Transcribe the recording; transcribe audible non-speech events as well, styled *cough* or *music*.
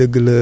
*hesitation* *hesitation*